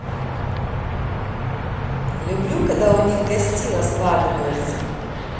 люблю когда у них гостила складываются